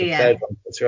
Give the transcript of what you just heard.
Ie.